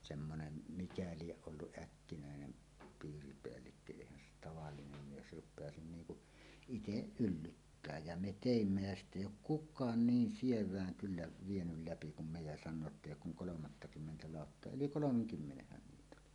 semmoinen mikä lie ollut äkkinäinen piiripäällikkö eihän se tavallinen mies rupeaisi niin kuin itse yllyttää ja me teimme ja sitten ei ole kukaan niin sievään kyllä vienyt läpi kuin me ja sanoo että ei ole kuin kolmattakymmentä lauttaa yli kolmenkymmenenhän niitä oli